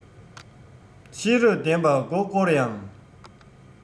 ཤེས རབ ལྡན པ མགོ བསྐོར ཡང